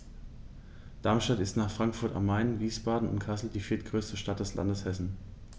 Darmstadt ist nach Frankfurt am Main, Wiesbaden und Kassel die viertgrößte Stadt des Landes Hessen